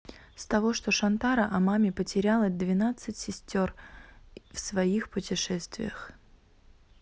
с того что шантара о маме потеряла двенадцать сестер в своих путешествиях